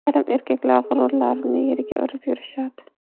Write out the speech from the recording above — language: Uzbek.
ayrim erkaklar g'ururlarini yerga urib yurishadi